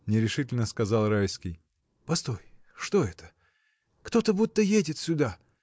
— нерешительно сказал Райский. — Постой. что это?. Кто-то будто едет сюда.